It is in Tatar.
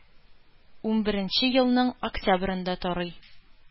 Унберенче елның октябрендә тарый.